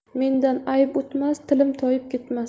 mendan ayb o'tmas tilim toyib ketmas